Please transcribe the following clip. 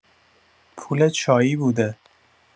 پول چایی بوده